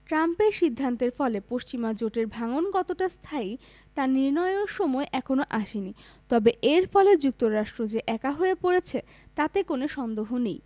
ট্রাম্পের সিদ্ধান্তের ফলে পশ্চিমা জোটের ভাঙন কতটা স্থায়ী তা নির্ণয়ের সময় এখনো আসেনি তবে এর ফলে যুক্তরাষ্ট্র যে একা হয়ে পড়ছে তাতে কোনো সন্দেহ নেই